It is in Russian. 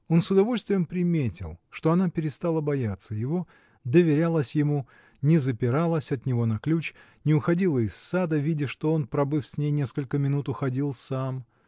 Он с удовольствием приметил, что она перестала бояться его, доверялась ему, не запиралась от него на ключ, не уходила из сада, видя, что он, пробыв с ней несколько минут, уходил сам